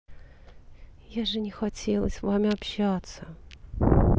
я же не хотела с вами общаться